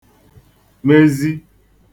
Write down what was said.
mezi